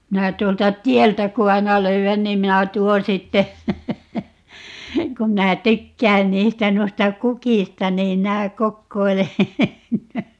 minä tuolta tieltä kun aina löydän niin minä tuon sitten kun minä tykkään niistä noista kukista niin minä kokoilen